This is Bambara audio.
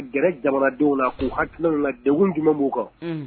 Gɛrɛ jamanadenw la k'u hakiliki la deg jumɛn b' kan